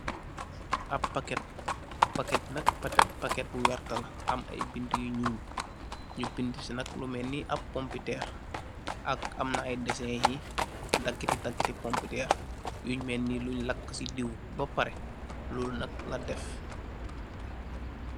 Ab paket, paket bi nak, paket bu werta la, am ay bind yu nyuul, nyu bind si nak lu menni ab pompiter, ak am na desen yi dagiti dagiti pompiter, yu menni lunj lakk si diiw na ba pare, luul nak la def.